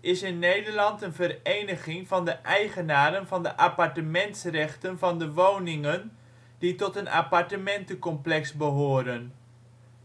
is in Nederland een vereniging van de eigenaren van de appartementsrechten van de woningen die tot een appartementencomplex behoren.